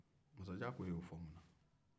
masajan ko e ye o fɔ munna